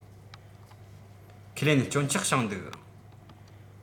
ཁས ལེན སྐྱོན ཆག བྱུང འདུག